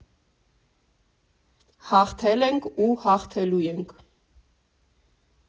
Հաղթել ենք ու հաղթելու ենք։